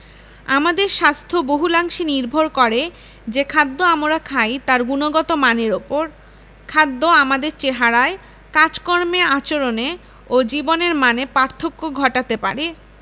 আমাদের স্বাস্থ্য বহুলাংশে নির্ভর করে যে খাদ্য আমরা খাই তার গুণগত মানের ওপর খাদ্য আমাদের চেহারায় কাজকর্মে আচরণে ও জীবনের মানে পার্থক্য ঘটাতে পারে